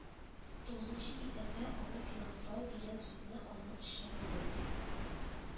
Тугызынчы кисәктә аны финанслау дигән сүзне аның эшчәнлеген